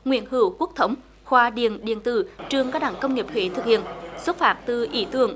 nguyễn hữu quốc thống khoa điện điện tử trường cao đẳng công nghiệp huế thực hiện xuất phát từ ý tưởng